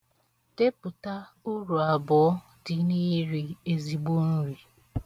Deputa uru abụọ dị n'iri ezigbo nri.